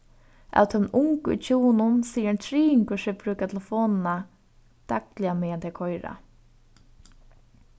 av teimum ungu í tjúgunum sigur ein triðingur seg brúka telefonina dagliga meðan tey koyra